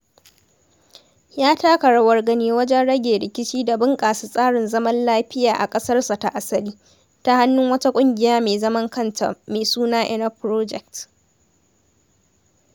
Ya taka rawar gani wajen rage rikici da bunƙasa tsarin zaman lafiya a ƙasarsa ta asali, ta hannun wata Ƙungiya mai zaman kanta mai suna Enough Project.